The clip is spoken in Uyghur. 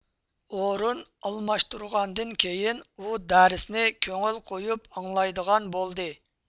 ئورۇن ئالماشتۇرغاندىن كېيىن ئۇدەرسنى كۆڭۈل قويۇپ ئاڭلايدىغان بولدى